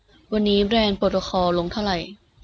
วันนี้แบรนด์โปรโตคอลลงเท่าไหร่